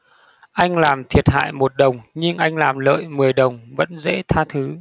anh làm thiệt hại một đồng nhưng anh làm lợi mười đồng vẫn dễ tha thứ